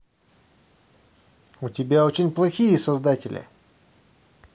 у тебя очень плохие создатели